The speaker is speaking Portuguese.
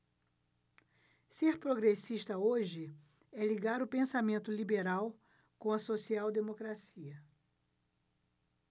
ser progressista hoje é ligar o pensamento liberal com a social democracia